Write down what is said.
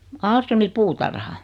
Ahlströmin puutarha